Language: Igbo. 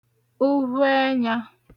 ufhuẹnyā